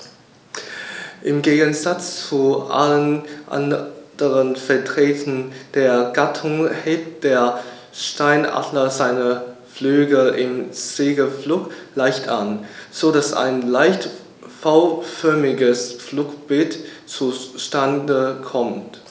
Im Gegensatz zu allen anderen Vertretern der Gattung hebt der Steinadler seine Flügel im Segelflug leicht an, so dass ein leicht V-förmiges Flugbild zustande kommt.